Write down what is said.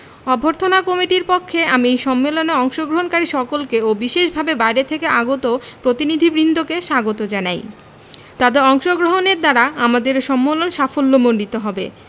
অভ্যর্থনা কমিটির পক্ষে আমি এই সম্মেলনে অংশগ্রহণকারী সকলকে ও বিশেষভাবে বাইরে থেকে আগত প্রতিনিধিবৃন্দকে স্বাগত জানাই তাদের অংশগ্রহণের দ্বারা আমাদের এ সম্মেলন সাফল্যমণ্ডিত হবে